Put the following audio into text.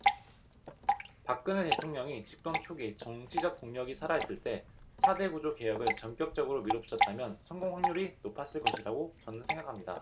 박근혜 대통령이 집권 초기 정치적 동력이 살아 있을 때 사 대 구조 개혁을 전격적으로 밀어붙였다면 성공 확률이 높았을 것이라고 저는 생각합니다